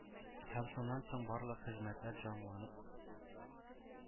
Һәм шуннан соң барлык хезмәтләр җанланып,